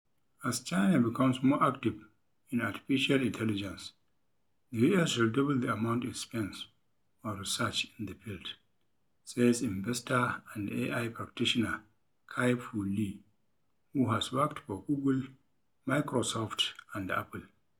As China becomes more active in artificial intelligence, the U.S. should double the amount it spends on research in the field, says investor and AI practitioner Kai-Fu Lee, who has worked for Google, Microsoft and Apple.